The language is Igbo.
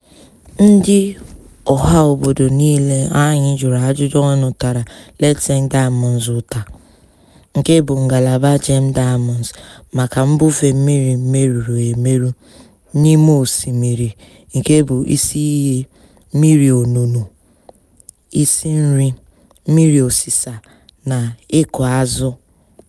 Ndị ọhaobodo niile anyị juru ajụjụọnụ tara Letšeng Diamonds ụta — nke bụ ngalaba Gem Diamonds — maka mbufe mmiri merụrụ emerụ n'ime osimiri nke bụ isi iyi mmiri ọṅụṅụ, isi nri, mmiri ọsịsa na ịkụ azụ.